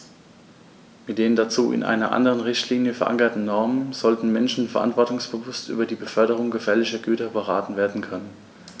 Mit den dazu in einer anderen Richtlinie, verankerten Normen sollten Menschen verantwortungsbewusst über die Beförderung gefährlicher Güter beraten werden können.